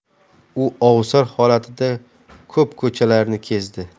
u ovsar holatida ko'p ko'chalarni kezdi